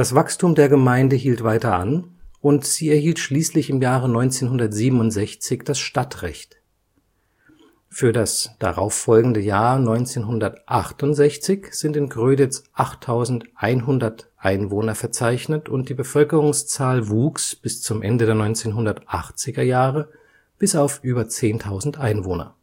Wachstum der Gemeinde hielt weiter an und sie erhielt schließlich im Jahre 1967 das Stadtrecht. Für das darauf folgende Jahr 1968 sind in Gröditz 8100 Einwohner verzeichnet und die Bevölkerungszahl wuchs bis zum Ende der 1980er Jahre bis auf über 10.000 Einwohner